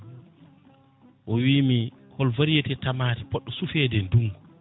o wimi hol variété tamate poɗɗo sufede e ndugngu